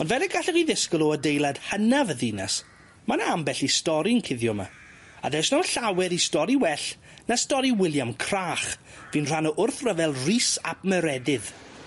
Ond fel y gallech chi ddisgwl o adeilad hynaf y ddinas, ma' 'na ambell i stori'n cuddio 'ma, a does na'm llawer i stori well na stori William Crach bu'n rhan o wrthryfel Rys ap Meredydd.